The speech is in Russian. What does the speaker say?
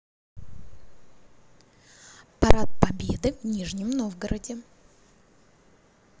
парад победы в нижнем новгороде